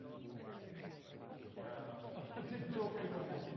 Wel chei di chwerthin os ti isie ond os... dim jôc yw wnna.